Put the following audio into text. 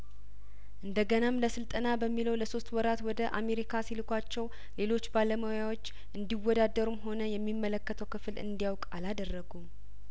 እንደገናም ለስልጠና በሚለው ለሶስት ወራት ወደ አሜሪካ ሲልኳቸው ሌሎች ባለሙያዎች እንዲወዳደሩም ሆነ የሚመለከተው ክፍል እንዲያውቅ አላደረጉም